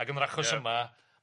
ac yn yr achos yma